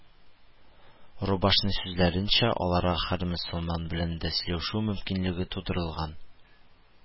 Рубашный сүзләренчә, аларга һәр мөселман белән дә сөйләшү мөмкинлеге тудырылган